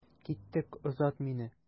Киттек, озат мине.